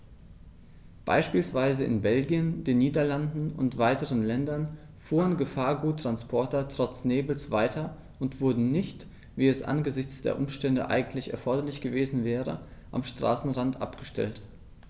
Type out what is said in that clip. Beispielsweise in Belgien, den Niederlanden und weiteren Ländern fuhren Gefahrguttransporter trotz Nebels weiter und wurden nicht, wie es angesichts der Umstände eigentlich erforderlich gewesen wäre, am Straßenrand abgestellt.